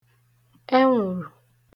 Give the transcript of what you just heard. ẹnwụ̀rụ̀